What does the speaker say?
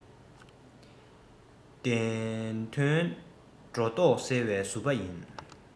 བདེན དོན སྒྲོ འདོག སེལ བའི གཟུ པ ཡིན